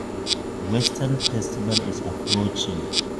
1. Western festival is approaching.